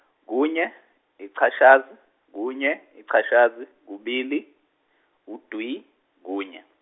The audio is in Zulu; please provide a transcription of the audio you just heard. kunye ichashazi kunye ichashazi kubili, udwi kunye.